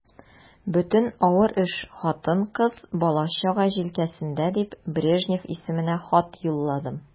Бөтен авыр эш хатын-кыз, бала-чага җилкәсендә дип, Брежнев исеменә хат юлладым.